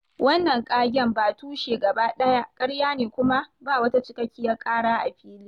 Wannan ƙagen ba tushe gaba ɗaya ƙarya ne kuma ba wata cikakkiyar ƙara a fili."